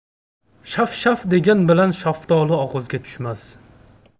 shaf shaf degan bilan shaftoli og'izga tushmas